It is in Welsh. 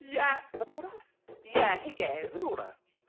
Ie... Ife Maura?... Yeah, Higgins... Is it Mora?